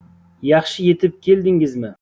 yaxshi yetib keldingizmi